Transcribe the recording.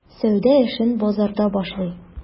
Сәүдә эшен базарда башлый.